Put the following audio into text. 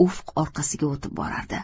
orqasiga o'tib borardi